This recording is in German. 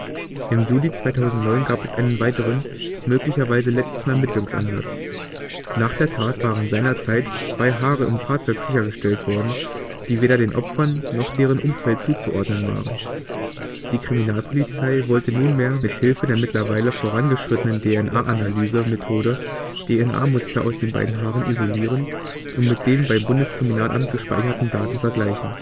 Im Juli 2009 gab es einen weiteren, möglicherweise letzten Ermittlungsansatz: Nach der Tat waren seinerzeit zwei Haare im Fahrzeug sichergestellt worden, die weder den Opfern noch deren Umfeld zuzuordnen waren. Die Kriminalpolizei wollte nunmehr mit Hilfe der mittlerweile vorangeschrittenen DNA-Analyse-Methode DNA-Muster aus den beiden Haaren isolieren und mit den beim Bundeskriminalamt gespeicherten Daten vergleichen